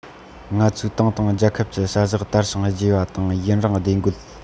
ང ཚོའི ཏང དང རྒྱལ ཁབ ཀྱི བྱ གཞག དར ཞིང རྒྱས པ དང ཡུན རིང བདེ འགོད